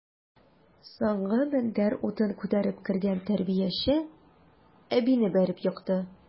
Соңгы мендәр утын күтәреп кергән тәрбияче әбине бәреп екты.